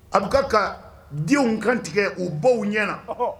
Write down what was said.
A bɛ ka ka denw kan tigɛ u b ɲɛ na